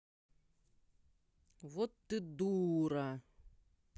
вот ты дура